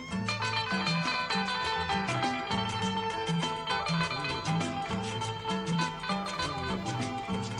San